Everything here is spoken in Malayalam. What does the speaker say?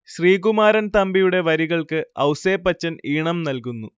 ശ്രീകുമാരൻ തമ്പിയുടെ വരികൾക്ക് ഔസേപ്പച്ചൻ ഈണം നൽകുന്നു